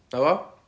'na fo